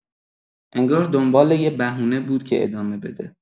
انگار دنبال یه بهونه بود که ادامه بده